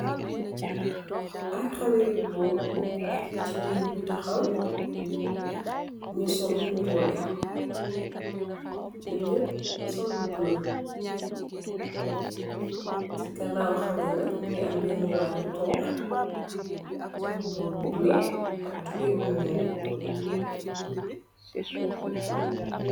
Aye khaleh yu goor ak gigeen yu takhaw nyunge sulu nyuroleh nyum nyep nyunge sul lu bulah si ganaw khaleh yi munge am khaleh yu gorr nyunge sul mbuba bu bulah ak tubey bu nyull